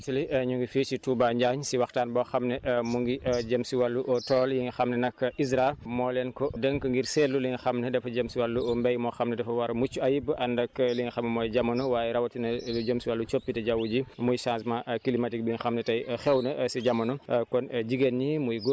jërëjëf Naar di leen fàttali ñu ngi fii ci Touba Njaañ si waxtaan boo xam ne mu ngi jëm si wàllu tool yi nga xam ne nag ISRA moo leen ko dénk ngir seetlu li nga xam ne dafa jëm si wàllu mbéy moo xam ne dafa war a mucc ayib bu ànd ak li nga xam ne mooy jamono waaye rawatina lu jëm si wàllu coppite jaww ji muy changement climatique bi nga xam ne tey xew na si jamono